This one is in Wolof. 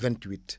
28